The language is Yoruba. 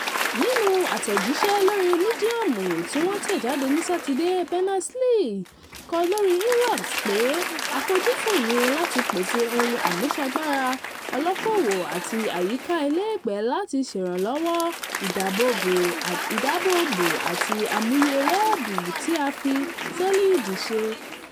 Nínú àtljíṣẹ́ lórí Medium tí wọ́n tẹ̀jáde ní sátidé, Berners-Lee kọ lórí Inrupts pé “àfojúsùn ni láti pèsè ohun àmúṣagbara olókòwò àti àyíká ilegbèè láti ṣèrànwọ́ ìdáàbòbò àti àmúyẹ wẹ́ẹ̀bù tí a fi Solid ṣe.”